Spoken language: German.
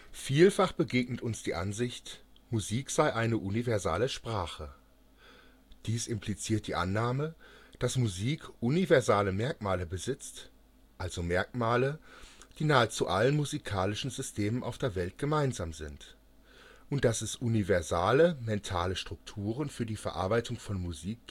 Vielfach begegnet uns die Ansicht, Musik sei eine universale Sprache. Dies impliziert die Annahme, dass Musik universale Merkmale besitzt, also Merkmale, die nahezu allen musikalischen Systemen auf der Welt gemeinsam sind, und dass es universale mentale Strukturen für die Verarbeitung von Musik